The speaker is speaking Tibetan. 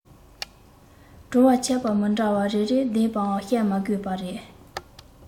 བྲོ བའི ཁྱད པར མི འདྲ བ རེ རེ ལྡན པའང བཤད མ དགོས པ རེད